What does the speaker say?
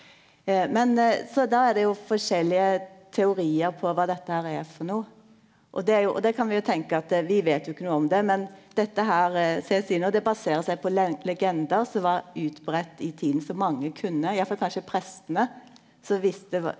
men så då er det jo forskjellege teoriar på kva dette her er for noko og det er jo og det kan vi jo tenke at vi veit jo ikkje noko om det men dette her som eg seier nå det baserer seg på legender som var utbreidd i tida som mange kunne i alle fall kanskje prestane som visste.